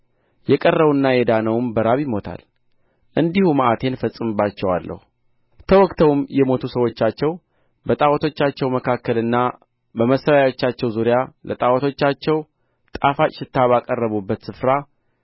የቀረውና የዳነውም በራብ ይሞታል እንዲሁ መዓቴን እፈጽምባቸዋለሁ ተወግተውም የሞቱ ሰዎቻቸው በጣዖቶቻቸው መካከልና በመሠዊያዎቻቸው ዙሪያ ለጣዖቶቻቸው ጣፋጭ ሽታ ባቀረቡበት ስፍራ